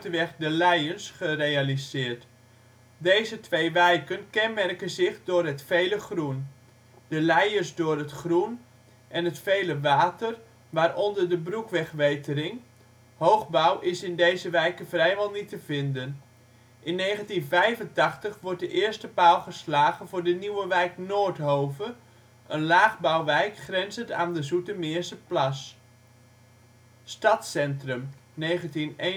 de Leyens gerealiseerd. Deze twee wijken kenmerken zich door het vele groen, De Leyens door het groen en het vele water waaronder de Broekwegwetering. Hoogbouw is in deze wijken vrijwel niet te vinden. In 1985 wordt de eerste paal geslagen voor de nieuwe wijk Noordhove, een laagbouwwijk grenzend aan de Zoetermeerse Plas. Stadscentrum (1981) In 1981